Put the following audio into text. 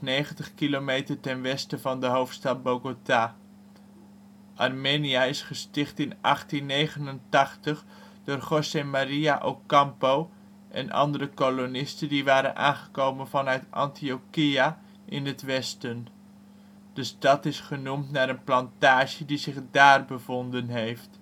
290 kilometer ten westen van de hoofdstad Bogota. Armenia is gesticht in 1889 door Jose Maria Ocampo en andere kolonisten die waren aangekomen vanuit Antioquia in het westen. De stad is genoemd naar een plantage die zich daar bevonden heeft